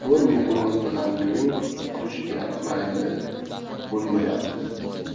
gurung qurishga mayli bo'lmayapti